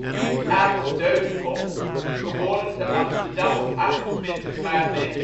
Joep A. van Deudekom (Amsterdam, 28 maart 1960